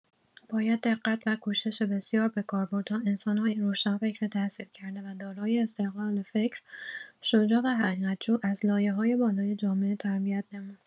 باید دقت و کوشش بسیار به کار برد تا انسان‌های روشنفکر تحصیل‌کرده و دارای استقلال فکر - شجاع و حقیقت‌جو، از لایه‌های بالای جامعه تربیت نمود.